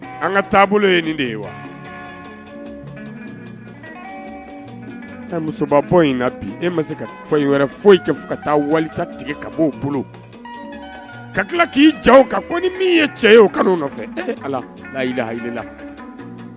An ka taabolo ye nin de ye wa muso in e ma se ka fɔ foyi cɛ ka taa wali tigɛ ka' bolo ka tila ki ko ni min ye cɛ ye o nɔfɛ ala